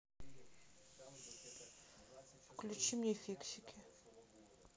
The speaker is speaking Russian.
включи мне фиксики